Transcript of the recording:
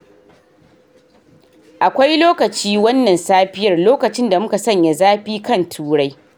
Akwai lokaci wannan safiyar lokacin da muka sanya zafi kan Turai.